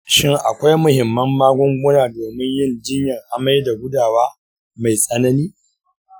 shin akwai muhimman magunguna domin yin jinyar amai da gudawa mai tsanani?